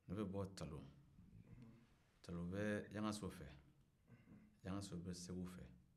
ne bɛ bɔ talɔn yangaso bɛ segu fɛ